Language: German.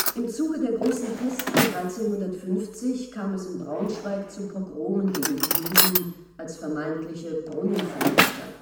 Im Zuge der großen Pest von 1350 kam es in Braunschweig zu Pogromen gegen die Juden als vermeintliche „ Brunnenvergifter